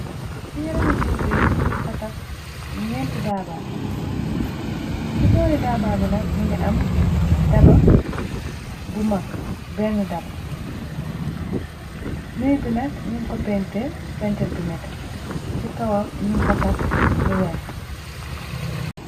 ci yram miir b a 4 aba ci boori daaba bi nak bangi am daba bu mag benn daba miir bi nak nun ko pntr pentir bu net ci kawam ñum pataf lu weex